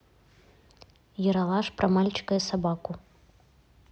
ералаш про мальчика и собаку